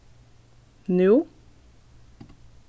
nú